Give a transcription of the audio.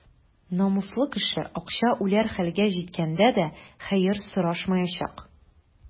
Намуслы кеше ачка үләр хәлгә җиткәндә дә хәер сорашмаячак.